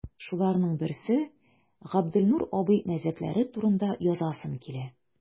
Шуларның берсе – Габделнур абый мәзәкләре турында язасым килә.